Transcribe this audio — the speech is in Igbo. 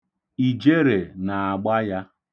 Ijere na-agba ya.